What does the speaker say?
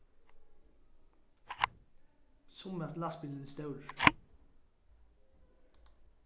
sum hasin lastbilurin er stórur